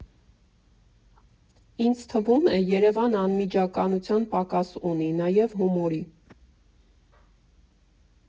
Ինձ թվում է՝ Երևանը անմիջականության պակաս ունի, նաև՝ հումորի։